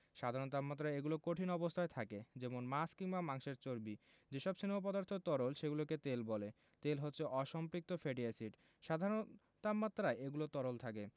সাধারণ তাপমাত্রায় এগুলো কঠিন অবস্থায় থাকে যেমন মাছ কিংবা মাংসের চর্বি যেসব স্নেহ পদার্থ তরল সেগুলোকে তেল বলে তেল হচ্ছে অসম্পৃক্ত ফ্যাটি এসিড সাধারণ তাপমাত্রায় এগুলো তরল থাকে